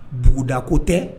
Bugudako tɛ